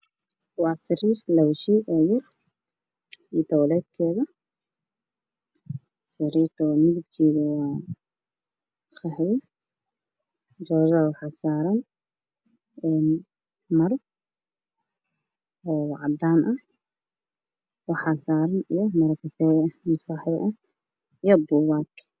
Waa sariir lsgu shidaayo io toboleedkeeda sariirta midakeedu waa qaxwi waxaa saran maro cadaan ah io waxaa saran maro qaxwi ah io buugaag